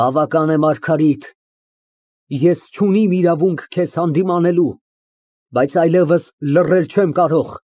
Բավական է, Մարգարիտ։ Ես չունիմ իրավունք քեզ հանդիմանելու, բայց այլևս լռել չեմ կարող։